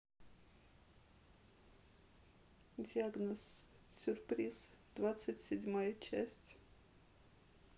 диагноз сюрприз двадцать седьмая часть